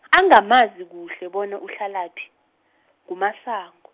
angamazi kuhle bona uhlalaphi, nguMasango.